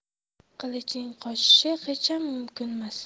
qilichning qochishi hecham mumkinmas